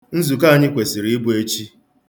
Nzukọ anyị kwesịrị ịbụ echi.